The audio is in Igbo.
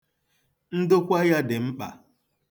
Ndokwa ya dị mkpa.